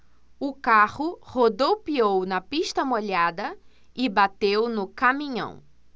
o carro rodopiou na pista molhada e bateu no caminhão